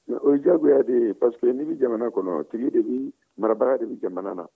o ye diyagoya de ye paseke n'i bɛ jamana kɔnɔ tigi de bɛ marabaga de bɛ jamana na